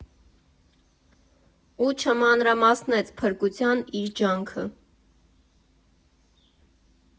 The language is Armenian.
Ու չմանրամասնեց «փրկության իր ջանքը»։